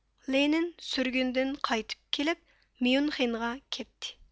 لېنىن سۈرگۈندىن قايتىپ كېلىپ ميۇنخېنغا كەتتى